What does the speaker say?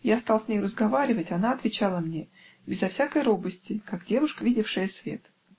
я стал с нею разговаривать, она отвечала мне безо всякой робости, как девушка, видевшая свет.